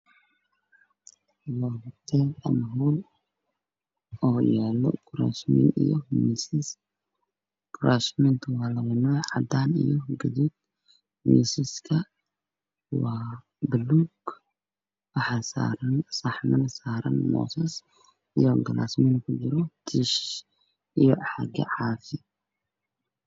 Waa howl waxaa yaalo kuraas miisaas ayaa yaalo oo midabkoodu yahay guduud